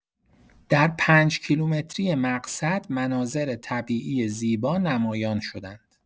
در پنج‌کیلومتری مقصد، مناظر طبیعی زیبا نمایان شدند.